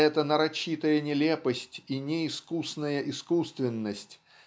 эта нарочитая нелепость и неискусная искусственность